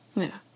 Ia.